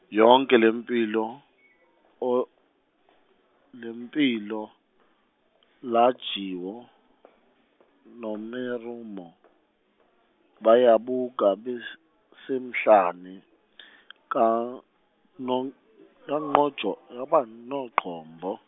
yonke lempilo, o- lempilo, Lajiwo, noMerumo baya buka bes- semhlani ka Nong- noyojo- jaba- Nongjombo.